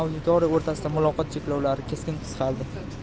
auditoriya o'rtasidagi muloqot cheklovlari keskin qisqardi